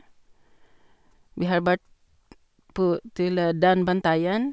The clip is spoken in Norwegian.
Vi har vært på til Daanbantayan.